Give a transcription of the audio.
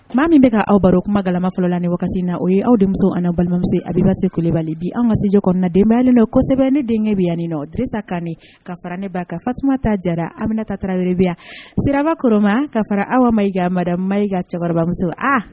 Maa min bɛ ka aw baroro kuma gama fɔlɔ la ni wagati na o ye aw denmuso an balimamuso abiba se kobali bi anw kajɔ kɔnɔnadenbayanen dɔ kosɛbɛ ne denkɛ bɛ yanni nɔ desa kan kara ne ba ka tasuma ta jara an bɛnata taraweleyrebi siraba koroma kara aw makamada mayika cɛkɔrɔbamuso a